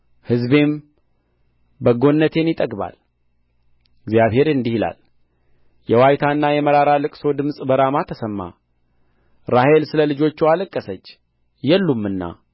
ሕዝቤም በጎነቴን ይጠግባል እግዚአብሔር እንዲህ ይላል የዋይታና የመራራ ልቅሶ ድምፅ በራማ ተሰማ ራሔል ስለ ልጆችዋ አለቀሰች የሉምና